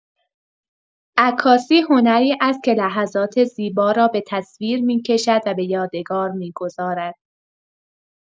عکاسی هنری است که لحظات زیبا را به تصویر می‌کشد و به یادگار می‌گذارد.